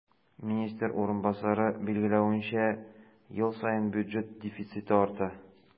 Министр урынбасары билгеләвенчә, ел саен бюджет дефициты арта.